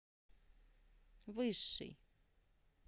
высший